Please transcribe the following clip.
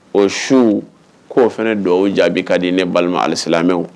O su k' ofana duwɔwu jaabi ka di ne balima alisilamɛw